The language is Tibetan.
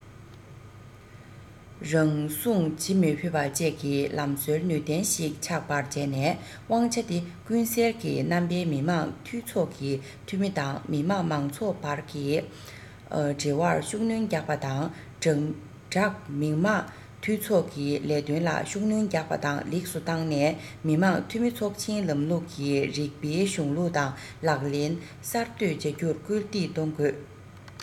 རུལ སུངས བྱེད མི ཕོད པ བཅས ཀྱི ལམ སྲོལ ནུས ལྡན ཞིག ཆགས པར བྱས ནས དབང ཆ དེ ཀུན གསལ གྱི རྣམ པའི མི དམངས འཐུས ཚོགས ཀྱི འཐུས མི དང མི དམངས མང ཚོགས དབར གྱི འབྲེལ བར ཤུགས སྣོན རྒྱག པ དང སྦྲགས མི དམངས འཐུས ཚོགས ཀྱི ལས དོན ལ ཤུགས སྣོན རྒྱག པ དང ལེགས སུ བཏང ནས མི དམངས འཐུས མི ཚོགས ཆེན ལམ ལུགས ཀྱི རིགས པའི གཞུང ལུགས དང ལག ལེན གསར གཏོད བྱ རྒྱུར སྐུལ འདེད གཏོང དགོས